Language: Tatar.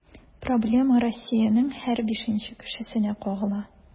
Проблема Россиянең һәр бишенче кешесенә кагыла.